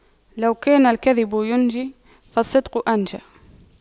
لو كان الكذب ينجي فالصدق أنجى